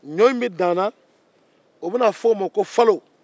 ɲɔ min bɛ dan a la o bɛ na fɔ o ma ko falo